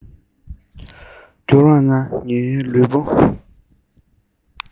གྱུར བ ན ངའི ལུས པོ